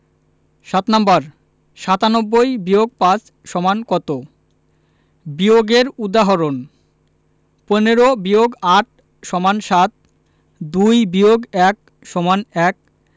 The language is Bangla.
৭ নাম্বার ৯৭-৫ = কত বিয়োগের উদাহরণঃ ১৫ – ৮ = ৭ ২ - ১ =১